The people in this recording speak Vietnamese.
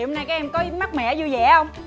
hôm nay các em có mát mẻ vui vẻ không